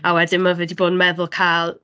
A wedyn ma' fe 'di bod yn meddwl cael